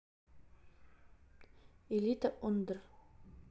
элита under